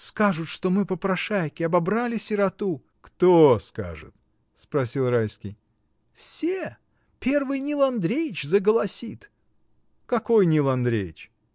Скажут, что мы попрошайки, обобрали сироту! — Кто скажет? — спросил Райский. — Все! Первый Нил Андреич заголосит. — Какой Нил Андреич?